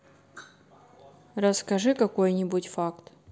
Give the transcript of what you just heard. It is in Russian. расскажи какой нибудь факт